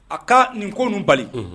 A ka nin ko bali